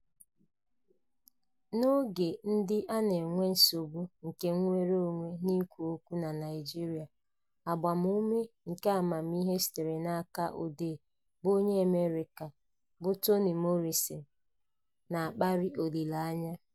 N'oge ndị a na-enwe nsogbu nke nnwere onwe n'ikwu okwu na Naịjirịa, agbamume keamamihe sitere n'aka odee bụ onye America bụ Toni Morrison na-akpali olileanya: